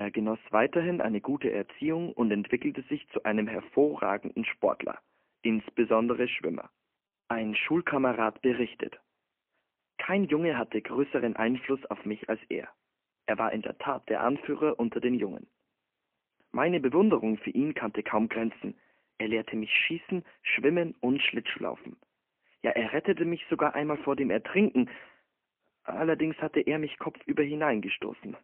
genoss weiterhin eine gute Erziehung und entwickelte sich zu einem hervorragenden Sportler, insbesondere Schwimmer. Ein Schulkamerad berichtet: Kein Junge hatte größeren Einfluss auf mich als er. Er war in der Tat der Anführer unter den Jungen. Meine Bewunderung für ihn kannte kaum Grenzen … Er lehrte mich Schießen, Schwimmen und Schlittschuhlaufen. Er rettete mich sogar einmal vor dem Ertrinken – allerdings hatte er mich kopfüber hineingestoßen